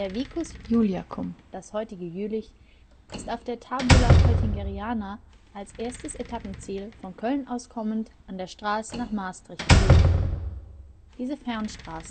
vicus Iuliacum, das heutige Jülich, ist auf der Tabula Peutingeriana als erstes Etappenziel von Köln aus kommend an der Straße nach Maastricht gelegen. Diese Fernstraße